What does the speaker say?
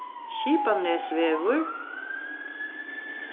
skipanesvegur